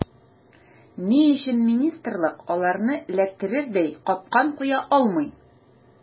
Ни өчен министрлык аларны эләктерердәй “капкан” куя алмый.